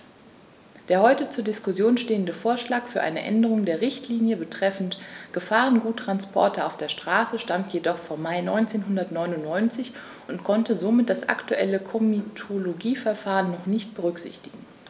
Der heute zur Diskussion stehende Vorschlag für eine Änderung der Richtlinie betreffend Gefahrguttransporte auf der Straße stammt jedoch vom Mai 1999 und konnte somit das aktuelle Komitologieverfahren noch nicht berücksichtigen.